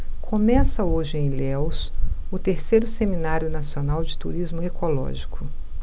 começa hoje em ilhéus o terceiro seminário nacional de turismo ecológico